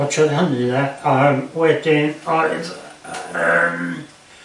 watsiad hynny de? A yym wedyn oedd yym.